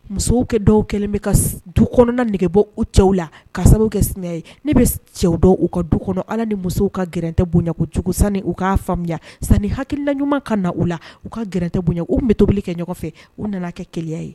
Musow kɛ dɔw kɛlen bɛ ka du kɔnɔna nɛgɛge bɔ u cɛw la ka sababu kɛ sini ye ne bɛ cɛw dɔw u ka du kɔnɔ ala ni musow ka gɛrɛ tɛ bonyayan ko cogosanni u k kaa faamuyaya san hala ɲuman ka na u la u ka gɛrɛ tɛ bonyayan u bɛ tobili kɛ ɲɔgɔn fɛ u nana kɛ keya ye